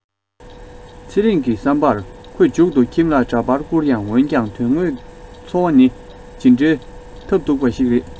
ཚེ རིང གི བསམ པར ཁོས མཇུག ཏུ ཁྱིམ ལ འདྲ པར བསྐུར ཡང འོན ཀྱང དོན དངོས འཚོ བ ནི ཇི འདྲའི ཐབས སྡུག པ ཞིག རེད